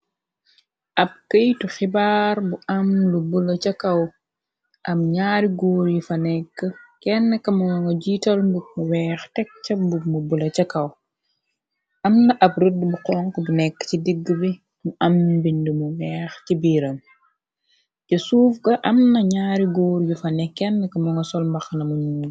ab këytu xibaar bu am lu bula ca kaw am ñaari góor yu fa nekk kenn komo nga jiital nduk mu weex tek ca bumu bula ca kaw am na ab rëdd bu xonk bu nekk ci digg bi mu am mbind mu weex ci biiram cë suuf ga am na ñaari góor yu fa nek kenn kamo nga solmaxnamu ñungi